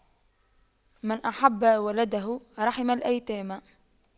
من أحب ولده رحم الأيتام